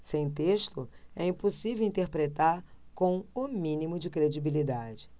sem texto é impossível interpretar com o mínimo de credibilidade